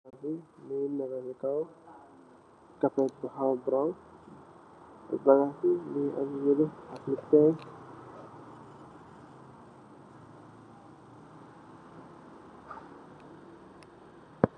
Le moneika si kow gaabe bu hawa drowe baperie mu nei ham neery yuo feine